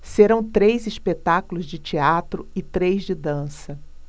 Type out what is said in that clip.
serão três espetáculos de teatro e três de dança